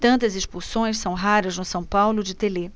tantas expulsões são raras no são paulo de telê